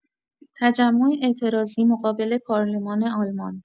تجمع اعتراضی مقابل پارلمان آلمان